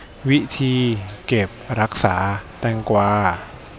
วิธีเก็บรักษาแตงกวา